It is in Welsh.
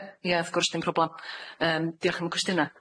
Ia ia wrth gwrs dim problam yym diolch am y cwestiyna.